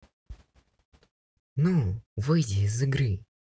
ну выйди из игры